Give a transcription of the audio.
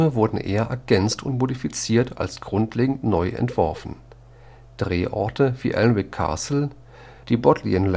wurden eher ergänzt und modifiziert als grundlegend neu entworfen. Drehorte wie Alnwick Castle, die Bodleian